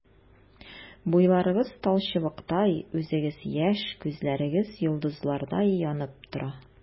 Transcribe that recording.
Буйларыгыз талчыбыктай, үзегез яшь, күзләрегез йолдызлардай янып тора.